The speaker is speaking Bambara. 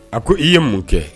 A ko i ye mun kɛ